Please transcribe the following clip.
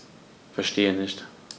Verstehe nicht.